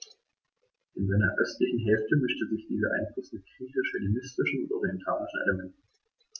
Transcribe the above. In seiner östlichen Hälfte mischte sich dieser Einfluss mit griechisch-hellenistischen und orientalischen Elementen.